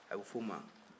a bɛ f'o ma